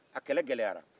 a kɛlɛ gɛlɛyara